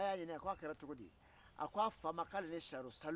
wa i yɛrɛ de ye i yɛrɛ kɛ sunkuruba ye wa i yɛrɛ de ye a laɲini